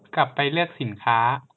กลับไปเลือกสินค้า